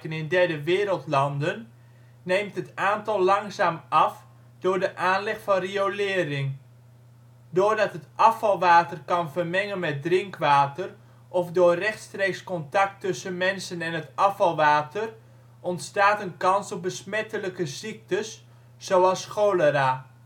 in derde wereldlanden neemt het aantal langzaam af door de aanleg van riolering. Doordat het afvalwater kan vermengen met drinkwater of door rechtstreeks contact tussen mensen en het afvalwater ontstaat een kans op besmettelijke ziektes zoals cholera